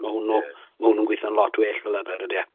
Ma' hwnnw 'ma hwnnw'n yn gweitho'n lot gwell fel arfer, ydy e.